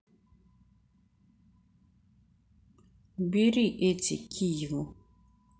убери эти киеву